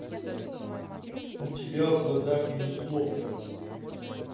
у тебя в глазах минусовка